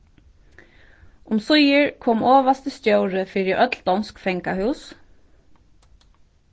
umsíðir kom ovasti stjóri fyri øll donsk fangahús